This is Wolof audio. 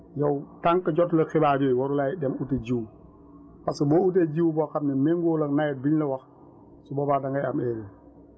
yow tant que jotuloo xibaar yooyu warulooy dem uti jiw parce que boo utee jiw boo xam ne méngoowul ak nawet biñ la wax